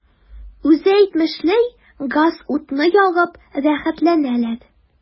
Үзе әйтмешли, газ-утны ягып “рәхәтләнәләр”.